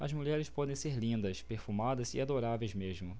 as mulheres podem ser lindas perfumadas e adoráveis mesmo